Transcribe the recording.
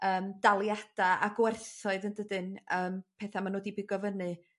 yym daliada a gwerthoedd yn dydyn yym petha ma' nw 'di bigo fyny